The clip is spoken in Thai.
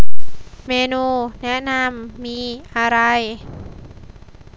เมนูแนะนำมีอะไร